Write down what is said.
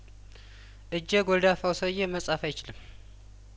እጀ ጐልዳፋው ሰውዬ መጻፍ አይችልም